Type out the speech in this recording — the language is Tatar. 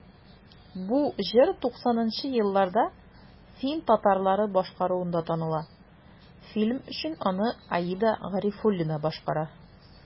Бу җыр 90 нчы елларда фин татарлары башкаруында таныла, фильм өчен аны Аида Гарифуллина башкара.